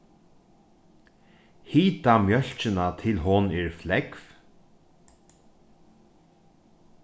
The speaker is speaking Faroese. hita mjólkina til hon er flógv